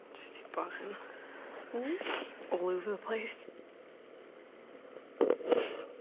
Jyst tip' bach yn... Hmm? ... all over the place.